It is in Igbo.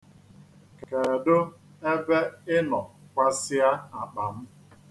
Kedụ ebe ị nọ kwasịa akpa m?